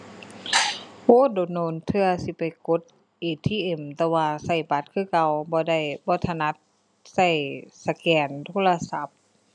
โอ้ โดนโดนเทื่อสิไปกด ATM แต่ว่าใช้บัตรคือเก่า บ่ได้ บ่ถนัดใช้สแกนโทรศัพท์